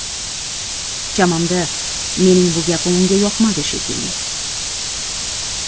chamamda mening bu gapim unga yoqmadi shekilli